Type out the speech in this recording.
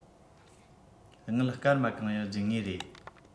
དངུལ སྐར མ གང ཡང སྦྱིན ངེས རེད